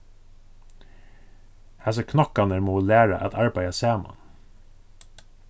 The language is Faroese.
hasir knokkarnir mugu læra at arbeiða saman